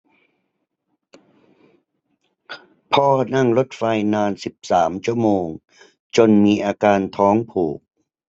พ่อนั่งรถไฟนานสิบสามชั่วโมงจนมีอาการท้องผูก